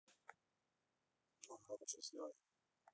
ну громче сделай